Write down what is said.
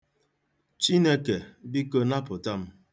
Chineke, biko, napụta m.